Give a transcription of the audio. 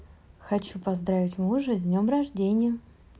хочу поздравить мужа с днем рождения